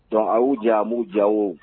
Don u'u jan b'u diya o